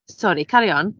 Sori, carry on.